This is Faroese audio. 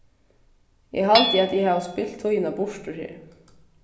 eg haldi at eg havi spilt tíðina burtur her